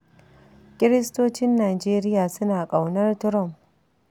Kiristocin Najeriya suna ƙaunar Trumph.